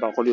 baaquli